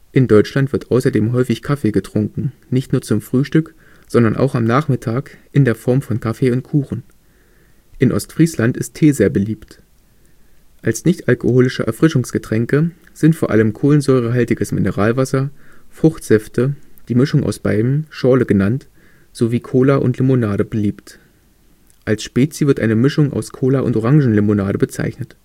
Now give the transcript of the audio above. In Deutschland wird außerdem häufig Kaffee getrunken, nicht nur zum Frühstück, sondern auch am Nachmittag in der Form von Kaffee und Kuchen. In Ostfriesland ist Tee sehr beliebt. Als nichtalkoholische Erfrischungsgetränke sind vor allem kohlensäurehaltiges Mineralwasser, Fruchtsäfte, die Mischung aus beidem, „ Schorle “genannt, sowie Cola und Limonade beliebt. Als „ Spezi “wird eine Mischung aus Cola und Orangenlimonade bezeichnet